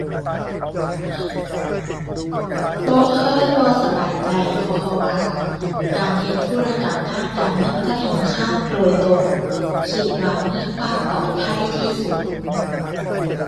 บ่เคยบ่สบายใจ เพราะเพราะว่าการเฮ็ดธุรกรรมทางการเงินกับธนาคารโดยตรงคิดว่ามีความปลอดภัยที่สุด